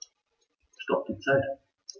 Stopp die Zeit